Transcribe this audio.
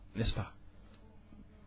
n' est ce pas